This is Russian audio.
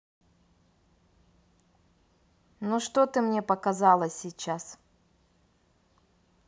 ну что ты мне показала сейчас